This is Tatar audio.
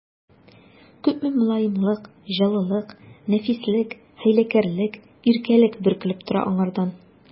Күпме мөлаемлык, җылылык, нәфислек, хәйләкәрлек, иркәлек бөркелеп тора аңардан!